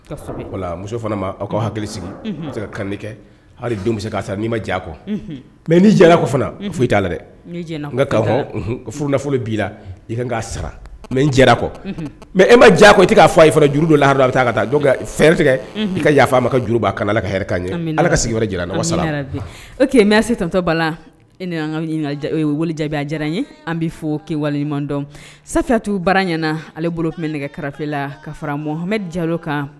Nafolo' ia sara mɛ kɔ mɛ e ma diya i k'a fɔ i jurudu don lahadu bɛ taa taa fɛɛrɛ tigɛ i ka yafa a ma ka juru' kana ala ka ɲɛ ala ka sigin jara sa e mɛ setɔ la jaabiya diyara n ye an bɛ fɔ waliɲuman sayatu baara ɲɛnaana ale bolo tun bɛ nɛgɛ karafe la ka faraha jalo kan